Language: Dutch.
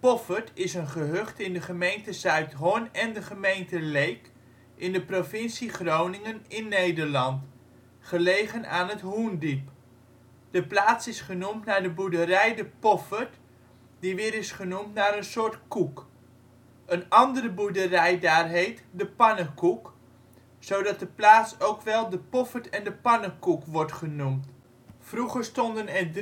Poffert is een gehucht in de gemeente Zuidhorn en de gemeente Leek in de provincie Groningen in (Nederland), gelegen aan het Hoendiep. De plaats is genoemd naar de boerderij [bron?] De Poffert, die weer is genoemd naar een soort koek. Een andere boerderij daar heet De Pannekoek, zodat de plaats ook wel De Poffert en de Pannekoek wordt genoemd. Vroeger stonden er